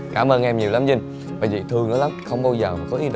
cám ơn em nhiều lắm vinh bởi vì thương nó lắm không bao giờ mà có ý định